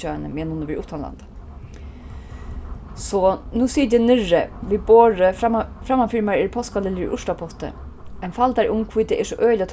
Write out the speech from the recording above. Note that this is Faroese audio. hjá henni meðan hon hevur verið uttanlanda so nú siti eg niðri við borðið framman fyri mær eru páskaliljur í urtapotti ein faldari um hví tað er so øgiliga